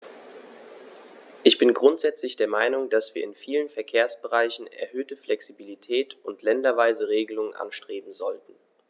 Ich bin grundsätzlich der Meinung, dass wir in vielen Verkehrsbereichen erhöhte Flexibilität und länderweise Regelungen anstreben sollten.